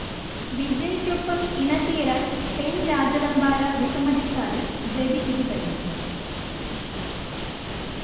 വിജയ്ക്കൊപ്പം ഇണചേരാൻ പെൺരാജവെമ്പാല വിസമ്മതിച്ചാലും ഗതി ഇതുതന്നെ